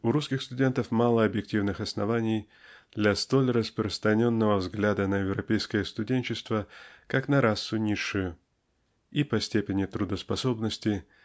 у русских студентов мало объективных оснований для столь распространенного взгляда на европейское студенчество как на расу низшую. И по степени трудоспособности